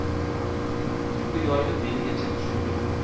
shunday yoyilib beligacha tushib turibdi